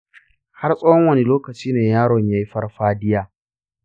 har tsawon wane lokaci ne yaron ya yi farfadiya ?